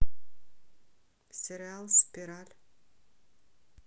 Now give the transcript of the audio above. сериал спираль